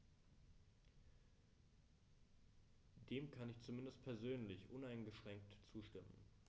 Dem kann ich zumindest persönlich uneingeschränkt zustimmen.